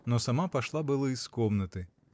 — Но сама пошла было из комнаты.